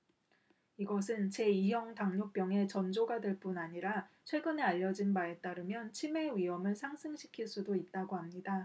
이것은 제 이 형 당뇨병의 전조가 될 뿐 아니라 최근에 알려진 바에 따르면 치매의 위험을 상승시킬 수도 있다고 합니다